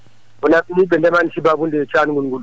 wona ɗum ɓe ndemani sababude cangol ngol